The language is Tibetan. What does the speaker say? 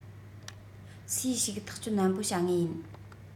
སུས ཞིག ཐག གཅོད ནན པོ བྱ ངོས ཡིན